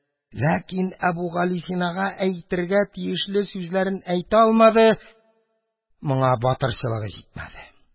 Ләкин Әбүгалисинага әйтергә тиешле сүзләрен әйтә алмады, моңа батырчылык итмәде.